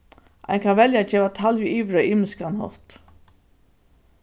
ein kann velja at geva talvið yvir á ymiskan hátt